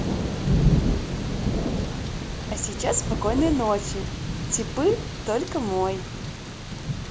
а сейчас спокойной ночи типы только мой